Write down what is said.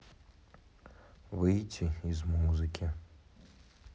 выйти из музыки